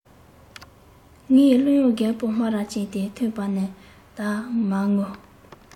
ངའི གླུ དབྱངས རྒད པོ སྨ ར ཅན དེས ཐོས པ ན ད མ ངུ